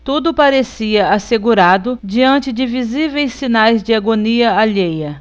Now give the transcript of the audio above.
tudo parecia assegurado diante de visíveis sinais de agonia alheia